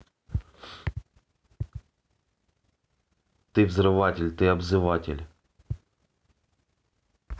ты взрыватель ты обзыватель